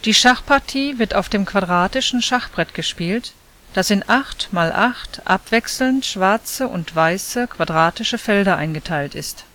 Schachpartie wird auf dem quadratischen Schachbrett gespielt, das in acht mal acht abwechselnd schwarze und weiße quadratische Felder eingeteilt ist